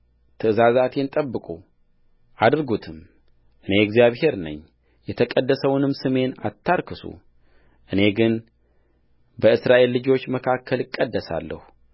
ትእዛዛቴን ጠብቁ አድርጉትም እኔ እግዚአብሔር ነኝየተቀደሰውንም ስሜን አታርክሱ እኔ ግን በእስራኤል ልጆች መካከል እቀደሳለሁ